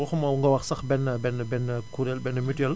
waxuma nga wax sax benn benn benn kuréel benn mutuel